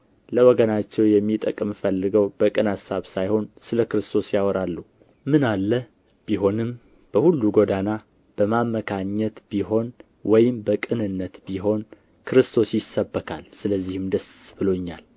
ለወገናቸው የሚጠቅም ፈልገው በቅን አሳብ ሳይሆኑ ስለ ክርስቶስ ያወራሉ ምን አለ ቢሆንም በሁሉ ጎዳና በማመካኘት ቢሆን ወይም በቅንነት ቢሆን ክርስቶስ ይሰበካል ስለዚህም ደስ ብሎኛል